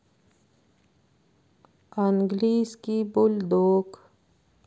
английский бульдог